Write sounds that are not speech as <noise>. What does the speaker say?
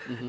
<hesitation> <hesitation>